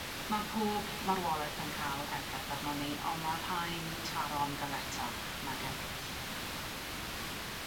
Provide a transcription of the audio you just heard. Ma' pob marwoleth yn ca'l effaith arnon ni on' ma' rhai'n taro'n galetach nag eryll.